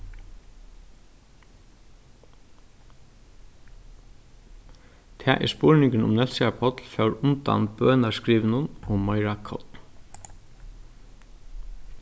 tað er spurningurin um nólsoyar páll fór undan bønarskrivinum um meira korn